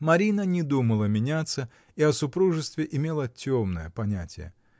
Марина не думала меняться и о супружестве имела темное понятие.